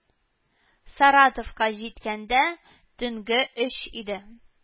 Саратовка җиткәндә төнге өч иде